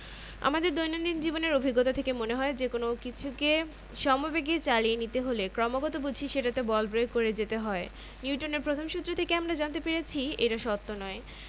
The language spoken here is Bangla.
আমাদের দৈনন্দিন জীবনের অভিজ্ঞতা থেকে মনে হয় যেকোনো কিছুকে সমবেগে চালিয়ে নিতে হলে ক্রমাগত বুঝি সেটাতে বল প্রয়োগ করে যেতে হয় নিউটনের প্রথম সূত্র থেকে আমরা জানতে পেরেছি সেটা সত্যি নয়